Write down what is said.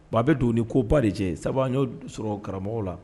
Ba bɛ don ni ko ba de jɛ sabu n y'o sɔrɔ karamɔgɔ la